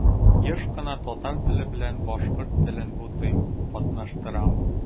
Еш кына татар теле белән башкорт телен бутыйм, катнаштырам.